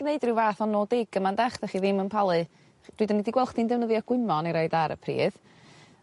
gwneud ryw fath o no dig yma 'ndach 'dach chi ddim yn palu? Dwi 'di ni 'di gwel' chdi'n defnyddio gwymon i roid ar y pridd